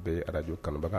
Bɛɛ ye Radio kanubaga